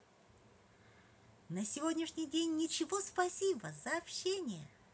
на сегодняшний день ничего спасибо за общение